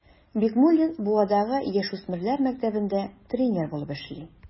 Бикмуллин Буадагы яшүсмерләр мәктәбендә тренер булып эшли.